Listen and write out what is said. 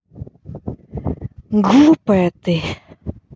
глупая ты